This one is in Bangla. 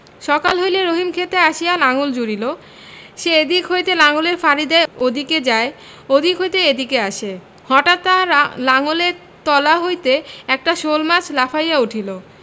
সকাল হইলে রহিম ক্ষেতে আসিয়া লাঙল জুড়িল সে এদিক হইতে লাঙলের ফাড়ি দেয় ওদিকে যায় ওদিক হইতে এদিকে আসে হঠাৎ তাহারা লাঙলের তলা হইতে একটা শোলমাছ লাফাইয়া উঠিল